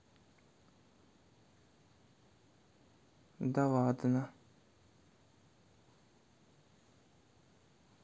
да ладно